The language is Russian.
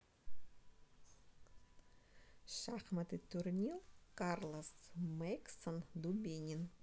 шахматный турнир карлос mackeson дубинин